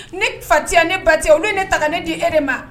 Ni fatiya ne ba cɛ olu ne ta ne di e de ma